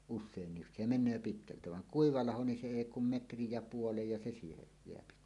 usein se menee pitkältä vaan kuiva laho niin se ei kuin metrin ja puolen ja se siihen jää